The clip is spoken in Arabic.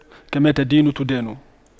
كما تدين تدان